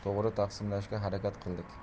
to'g'ri taqsimlashga harakat qildik